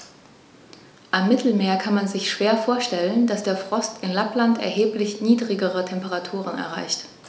Am Mittelmeer kann man sich schwer vorstellen, dass der Frost in Lappland erheblich niedrigere Temperaturen erreicht.